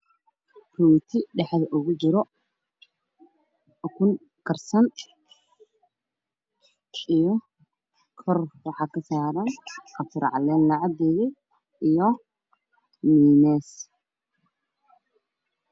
Waa rooti dhexda waxaa ogajiro ukun karsan korna waxaa kasaaran kabsar caleen lacadeeyey iyo miyuneys.